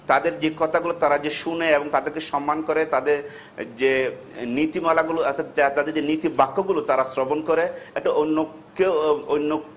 তাদের যে কথাগুলো তারা শুনে এবং তাদেরকে সম্মান করে এবং তাদের নীতিমালা গুলো এত তারা যদি নীতি বাক্য গুলো তারা শ্রবণ করে একটা অন্য কেউ